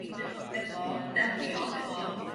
...mynd efo hefo delio hefo